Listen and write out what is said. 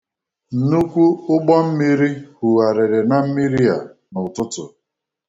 Nnukwu ụgbọmmiri hugharịrị na mmiri a n'ụtụtụ.